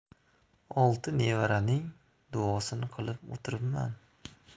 olti nevaraning duosini qilib o'tiribman